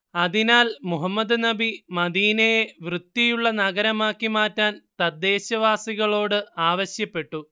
അതിനാൽ മുഹമ്മദ് നബി മദീനയെ വൃത്തിയുള്ള നഗരമാക്കി മാറ്റാൻ തദ്ദേശവാസികളോട് ആവശ്യപ്പെട്ടു